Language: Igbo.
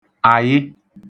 ayị